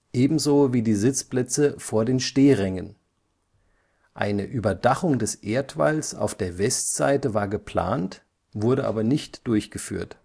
ebenso wie die Sitzplätze vor den Stehrängen. Eine Überdachung des Erdwalls auf der Westseite war geplant, wurde aber nicht durchgeführt